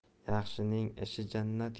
yaxshining ishi jannat